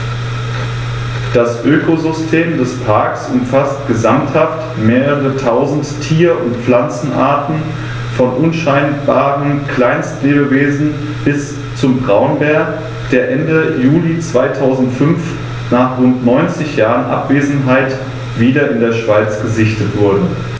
Das Ökosystem des Parks umfasst gesamthaft mehrere tausend Tier- und Pflanzenarten, von unscheinbaren Kleinstlebewesen bis zum Braunbär, der Ende Juli 2005, nach rund 90 Jahren Abwesenheit, wieder in der Schweiz gesichtet wurde.